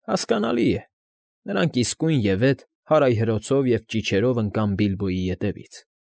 Հասկանալի է, նրանք իսկույնևեթ հարայհրոցով ու ճիչերով ընկան Բիլբոյի ետևից։